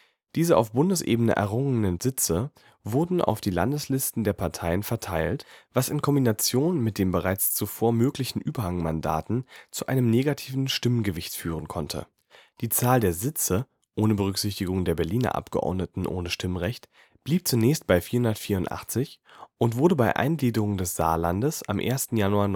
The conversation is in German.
Diese auf Bundesebene errungenen Sitze wurden auf die Landeslisten der Parteien verteilt, was in Kombination mit den bereits zuvor möglichen Überhangmandaten zu einem negativen Stimmgewicht führen konnte. Die Zahl der Sitze (ohne Berücksichtigung der Berliner Abgeordneten ohne Stimmrecht) blieb zunächst bei 484 und wurde bei Eingliederung des Saarlandes am 1. Januar